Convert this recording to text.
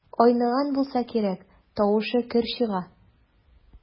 Айныган булса кирәк, тавышы көр чыга.